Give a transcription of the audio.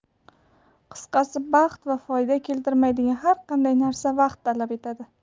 qisqasi baxt va foyda keltirmaydigan har qanday narsa vaqt talab etadi